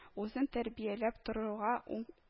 Үзен тәрбияләп торуга, уң